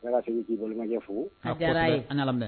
K'i